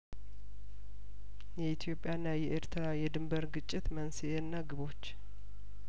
የኢትዮጵያ ና የኤርትራ የድንበር ግጭት መንስኤና ግቦች